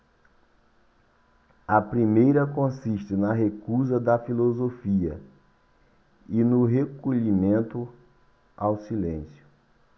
a primeira consiste na recusa da filosofia e no recolhimento ao silêncio